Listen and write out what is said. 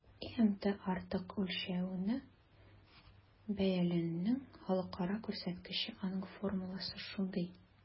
ИМТ - артык үлчәүне бәяләүнең халыкара күрсәткече, аның формуласы шундый: